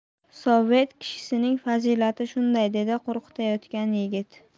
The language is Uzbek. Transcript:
sovet kishisining fazilati shunday dedi qo'rqitayotgan yigit